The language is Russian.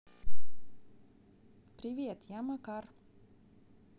привет я макар